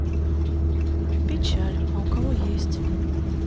печаль а у кого есть